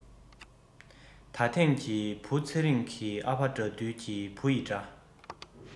ད ཐེངས ཀྱི བུ ཚེ རིང གི ཨ ཕ དགྲ འདུལ གྱི བུ ཡི འདྲ